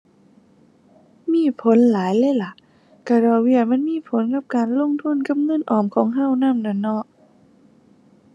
มีผลหลายเลยล่ะ ก็ดอกเบี้ยมันมีผลกับการลงทุนกับเงินออมของก็นำนั่นเนาะ